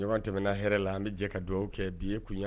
Ɲɔgɔn tɛmɛna hɛrɛ la an bɛ jɛ ka dugawu kɛ bi ye kun